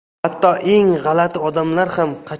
hatto eng g'alati odamlar